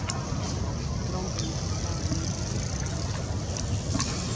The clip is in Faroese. drongurin tók spælið niður